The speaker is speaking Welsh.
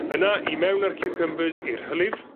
Una i mewn â'r ciwcymbyrs i'r hylif